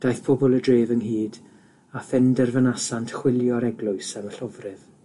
Daeth pobl y dref ynghyd a phenderfynasant chwilio'r eglwys am y llofrudd.